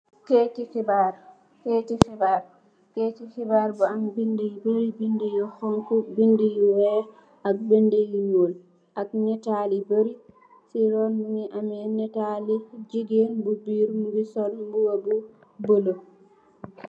Keyti xibaar keyti xibaar keyti xibaar bu am benda yu bari benda yu xonxu benda yu weex ak yu nuul ak netal yu bari si ruun mogi ameh netal jigeen bu birr mogi sol mbuba bu bulo.